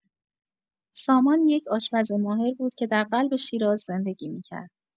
سامان یک آشپز ماهر بود که در قلب شیراز زندگی می‌کرد.